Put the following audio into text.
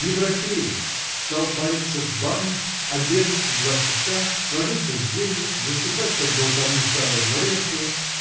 европеец -- стал париться в бане, обедать в два часа, ложиться в девять, засыпать под болтовню старого дворецкого